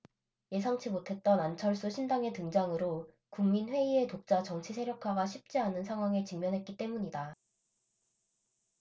예상치 못했던 안철수 신당의 등장으로 국민회의의 독자 정치세력화가 쉽지 않은 상황에 직면했기 때문이다